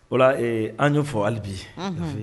Wala an'o fɔ halibi'a fɛ